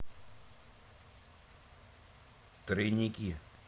тройники